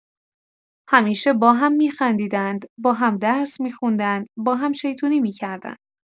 همیشه با هم می‌خندیدن، با هم درس می‌خوندن و با هم شیطونی می‌کردن.